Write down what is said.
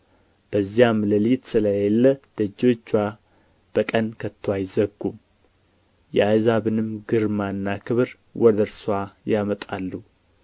በዚያም ሌሊት ስለሌለ ደጆችዋ በቀን ከቶ አይዘጉም የአሕዛብንም ግርማና ክብር ወደ እርስዋ ያመጣሉ